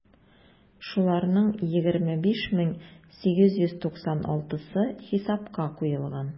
Шуларның 25 мең 896-сы хисапка куелган.